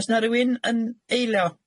Oes 'na rywun yn eilio?